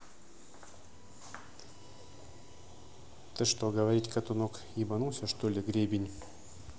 ты что говорить каток ебанулся что ли гребень